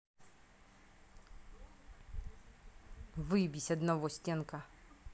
выебись одного стенка